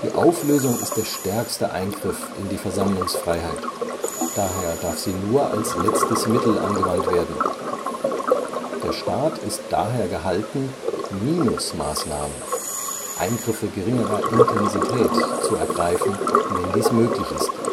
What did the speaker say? Auflösung ist der stärkste Eingriff in die Versammlungsfreiheit, daher darf sie nur als letztes Mittel angewandt werden. Der Staat ist daher gehalten, Minusmaßnahmen, Eingriffe geringerer Intensität, zu ergreifen, wenn dies möglich ist